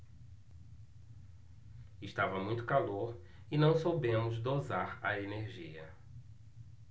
estava muito calor e não soubemos dosar a energia